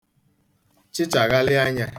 chịchàghalị anyā